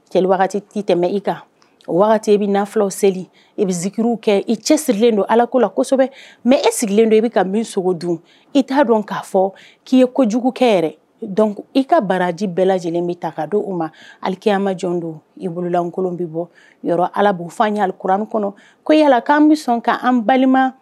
I bɛ seli i bɛ ziw kɛ i cɛ sirilen don ala ko la mɛ e sigilen don i bɛ ka min sogo dun i t'a dɔn k'a fɔ k'i ye kojugukɛ yɛrɛ i ka baraji bɛɛ lajɛlen bɛ ta k' don u ma alikeya ma jɔn don i bololankolon bɛ bɔ yɔrɔ alabu fɔli kura an kɔnɔ ko yala k'an bɛ sɔn k' an balima